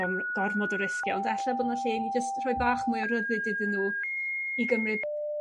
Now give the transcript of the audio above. gormo- gormod o risgie. Ond e'lle bo' 'na lle i ni jyst rhoi bach mwy o ryddid iddyn nhw, i gymryd